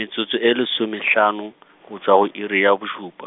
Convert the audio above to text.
metsotso e lesomehlano , go tšwa go iri ya bošupa.